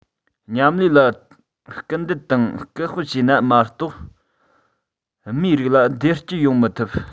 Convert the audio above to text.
མཉམ ལས ལ སྐུལ འདེད དང སྐུལ སྤེལ བྱས ན མ གཏོགས མིའི རིགས ལ བདེ སྐྱིད ཡོང མི ཐུབ